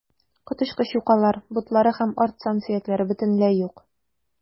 Коточкыч юкалар, ботлары һәм арт сан сөякләре бөтенләй юк.